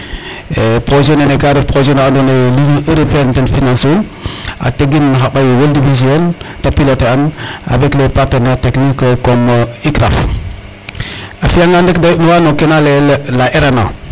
Um rappeler a nuun rek ee projet nene ka ref rek ee projet na andoona yee ligne Europeenne ten financer un a tegin na xa ɓay World Visio:(Anglais) te piloter an avec les partenaire technique comme IKRAF a fi'angaan rek de yo'nuwaa no ke na layel la RNA.